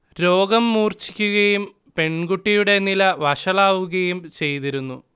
രോഗം മൂർഛിക്കുകയും പെൺകുട്ടിയുടെ നില വഷളാവുകയും ചെയ്തിരുന്നു